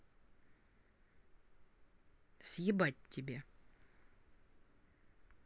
съебать тебе